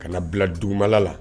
Kana na bila dugumala la